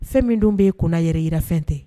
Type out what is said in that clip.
Fɛn min dun be yen, kunna yɛrɛ yira fɛn tɛ